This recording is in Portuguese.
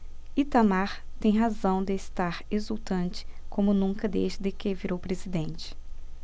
itamar tem razão de estar exultante como nunca desde que virou presidente